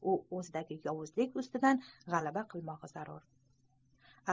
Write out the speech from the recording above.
u o'zidagi yovuzlik ustidan g'alaba qilmog'i zarur